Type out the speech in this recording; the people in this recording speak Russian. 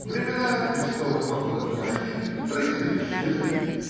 Времена крестовых походов прошли; рыцари исчезли.